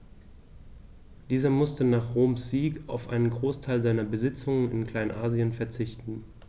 Dieser musste nach Roms Sieg auf einen Großteil seiner Besitzungen in Kleinasien verzichten.